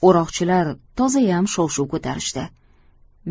o'roqchilar tozayam shov shuv ko'tarishdi